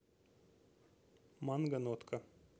манга нотка